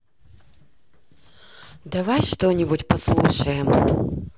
давай что нибудь послушаем